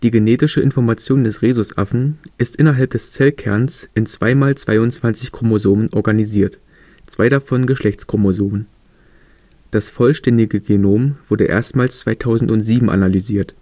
genetische Information des Rhesusaffen ist innerhalb des Zellkerns in zweimal 22 Chromosomen organisiert, zwei davon Geschlechtschromosomen. Das vollständige Genom wurde erstmals 2007 analysiert